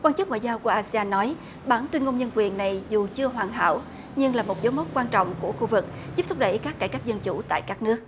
quan chức ngoại giao của a si an nói bản tuyên ngôn nhân quyền này dù chưa hoàn hảo nhưng là một dấu mốc quan trọng của khu vực giúp thúc đẩy các cải cách dân chủ tại các nước